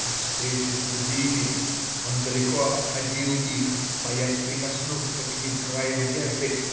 При встрече с другими он далеко обходил их, боясь прикоснуться к ним краем одежды.